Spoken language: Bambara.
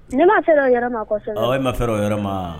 Ne ma fɛ o aw ne ma fɛ o ma